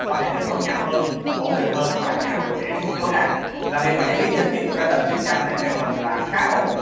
có thể kết nối nhanh hơn ổn định và giảm độ trễ xuống mức tối đa làm việc và giải trí trên chiếc triton này theo mình là khá ổn